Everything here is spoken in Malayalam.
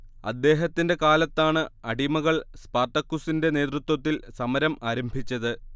അദ്ദേഹത്തിന്റെ കാലത്താണ് അടിമകൾ സ്പാർട്ടക്കുസിന്റെ നേതൃത്വത്തിൽ സമരം ആരംഭിച്ചത്